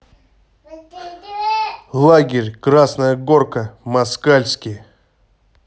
лагерь красная горка москальский